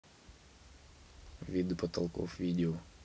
виды потолков видео